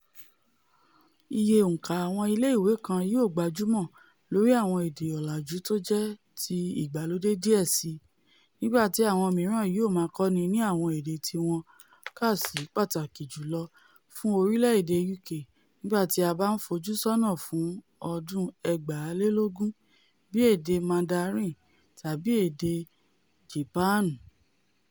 Iye òǹkà àwọn ilé ìwé kan yóò gbájúmọ́ lórí àwọn èdè ọ̀làjú tójẹ́ ti ìgbàlódé díẹ̀ síi, nígbà tí àwọn mìíràn yóò máa kọ́ni ní àwọn êdè tí wọ́n kàsí pàtàkì jùlọ fún orílẹ̀-èdè UK nígbà tí a bá ńfojú ṣọ́nà fún ọdún 2020, bíi èdè Mandarin tabi èdè Japaanu.